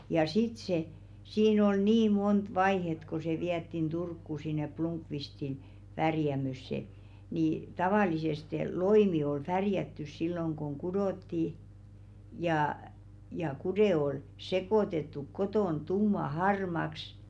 ja sitten se siinä oli niin monta vaihetta kun se vietiin Turkuun sinne Blomqvistin värjäämöön niin tavallisesti loimi oli värjätty silloin kun kudottiin ja ja kude oli sekoitettu kotona tumman harmaaksi